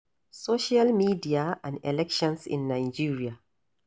Social media and elections in Nigeria